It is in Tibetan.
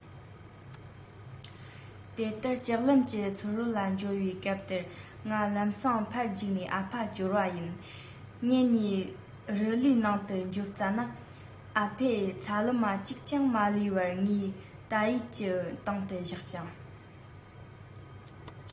དེ ལྟར ལྕགས ལམ གྱི ཚུར རོལ ལ འབྱོར བའི སྐབས དེར ངས ལམ སེང ཕར བརྒྱུགས ནས ཨ ཕ བསྐྱོར བ ཡིན ངེད གཉིས རི ལིའི ནང དུ འབྱོར ཙ ན ཨ ཕས ཚ ལུ མ གཅིག ཀྱང མ ལུས པར ངའི ཏཱ དབྱིད ཀྱི སྟེང དུ བཞག ཅིང